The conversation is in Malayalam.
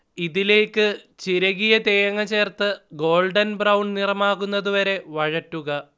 ഇതിലേക്ക് ചിരകിയ തേങ്ങ ചേർത്ത് ഗോൾഡൻ ബ്രൌൺ നിറമാകുന്നതുവരെ വഴറ്റുക